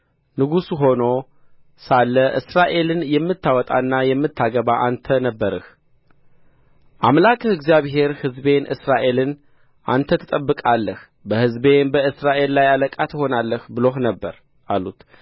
ንጉሥ ሆኖ ሳለ እስራኤልን የምታወጣና የምታገባ አንተ ነበርህ አምላክህ እግዚአብሔርም ሕዝቤን እስራኤልን አንተ ትጠብቃለህ በሕዝቤም በእስራኤል ላይ አለቃ ትሆናለህ ብሎህ ነበር አሉት